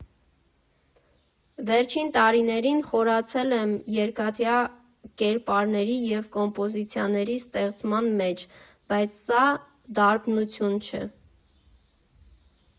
Վերջին տարիներին խորացել եմ երկաթյա կերպարների և կոմպոզիցիաների ստեղծման մեջ, բայց սա դարբնություն չէ։